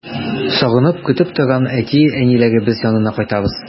Сагынып көтеп торган әти-әниләребез янына кайтабыз.